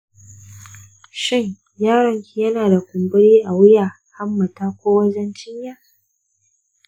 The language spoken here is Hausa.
shin yaron ki yana da kumburi a wuya, hammata, ko wajen cinya?